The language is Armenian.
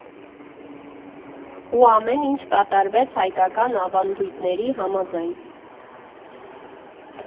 Ու ամեն ինչ կատարվեց հայկական ավանդույթների համաձայն։